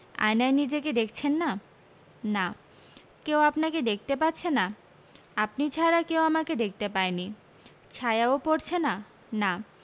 আয়নায় নিজেকে দেখছেন না না কেউ আপনাকে দেখতে পাচ্ছে না আপনি ছাড়া কেউ আমাকে দেখতে পায়নি ছায়াও পড়ছে না না